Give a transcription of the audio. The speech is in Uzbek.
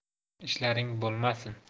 ishlaring bo'lmasin